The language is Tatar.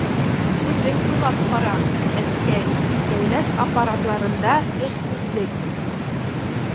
Үзең уйлап кара, әткәй, дәүләт аппаратларында эшсезлек...